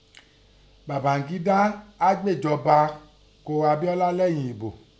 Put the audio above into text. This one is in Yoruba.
Bàbáńgídá à gbéjọba ún Abiọla lêyìn ẹ̀bò.